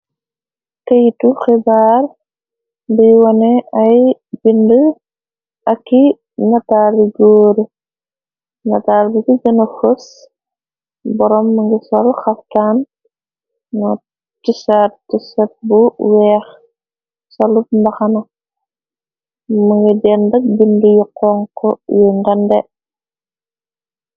Keytu xibaar bi wone ay bind aki nataali jóore nataal bi gi gëna xufs boroom m ngi sol xafkaan no tisar tisat bu weex salub mdaxana mëngi dendak bind yi xonx yu ndande.